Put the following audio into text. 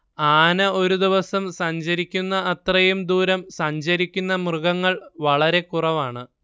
ആന ഒരു ദിവസം സഞ്ചരിക്കുന്ന അത്രയും ദൂരം സഞ്ചരിക്കുന്ന മൃഗങ്ങൾ വളരെ കുറവാണ്